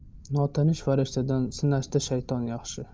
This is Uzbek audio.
notanish farishtadan sinashta shayton yaxshi